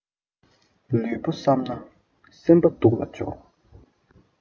ལུས པོ བསམས ན སེམས པ སྡུག ལ སྦྱོར